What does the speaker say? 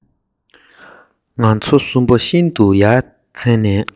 ང ཚོ གསུམ པོ ཤིན ཏུ ཡ མཚན ནས